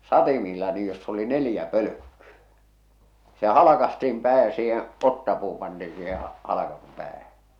satimilla niin jossa oli neljä pölkkyä se halkaistiin pää ja siihen otsapuu pantiin siihen halkaistun päähän